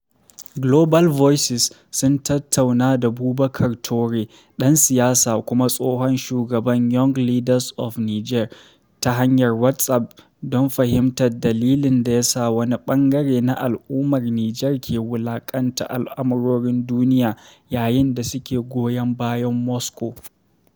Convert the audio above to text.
Global Voices sun tattauna da Boubacar Touré, ɗan siyasa kuma tsohon shugaban Young Leaders of Niger, ta hanyar WhatsApp don fahimtar dalilin da yasa wani ɓangare na al’ummar Nijar ke wulaƙanta al’ummomin duniya yayin da suke goyon bayan Moscow.